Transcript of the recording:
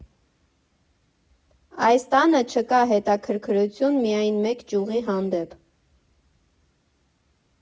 Այս տանը չկա հետաքրքրություն միայն մեկ ճյուղի հանդեպ։